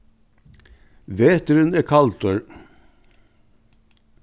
veturin er kaldur